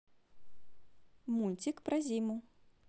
мультик про зиму